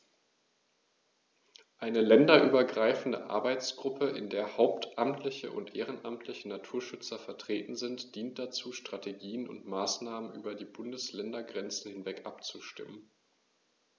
Eine länderübergreifende Arbeitsgruppe, in der hauptamtliche und ehrenamtliche Naturschützer vertreten sind, dient dazu, Strategien und Maßnahmen über die Bundesländergrenzen hinweg abzustimmen.